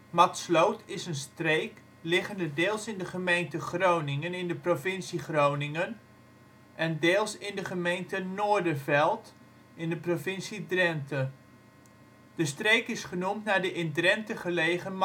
Matsloot is een streek, liggende deels in de gemeente Groningen (provincie Groningen) en deels in de gemeente Noordenveld (provincie Drenthe). De streek is genoemd naar de in Drenthe gelegen